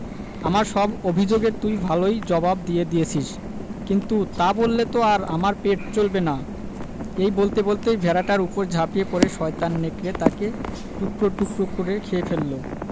আমার সব অভিযোগ এর তুই ভালই জবাব দিয়ে দিয়েছিস কিন্তু তা বললে তো আর আমার পেট চলবে না এই বলতে বলতেই ভেড়াটার উপর ঝাঁপিয়ে পড়ে শয়তান নেকড়ে তাকে টুকরো টুকরো করে খেয়ে ফেলল